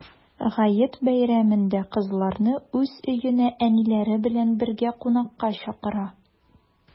Гает бәйрәмендә кызларны уз өенә әниләре белән бергә кунакка чакыра.